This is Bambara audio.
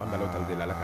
An dalo ta delila kan